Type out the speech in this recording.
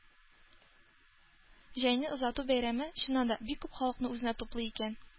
Җәйне озату бәйрәме, чыннан да, бик күп халыкны үзенә туплый икән.